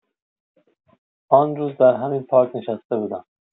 آن روز در همین پارک نشسته بودم.